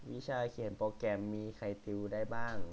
วิชาเขียนโปรแกรมมีใครติวได้บ้าง